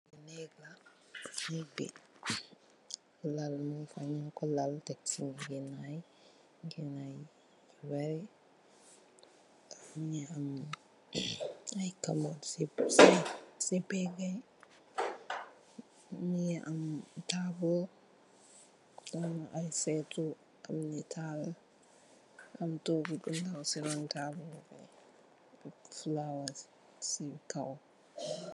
Nèeg la, nèeg bi lal mung fa nung ko lal tekk fi ngegenaay yu bari. Mungi am ay cabot ci pègga yi, mungi am taabl, taabl ay sètu nungi taal. Am toogu bu ndaw ci ron taabl bi ak flower ci kaw.